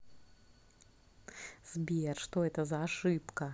сбер что это за ошибка